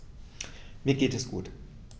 Mir geht es gut.